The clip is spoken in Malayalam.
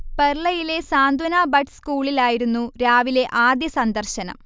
പെർളയിലെ സാന്ത്വന ബഡ്സ് സ്കൂളിലായിരുന്നു രാവിലെ ആദ്യ സന്ദർശനം